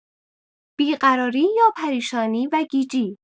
بیقراری یا پریشانی و گیجی